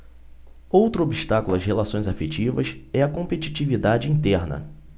outro obstáculo às relações afetivas é a competitividade interna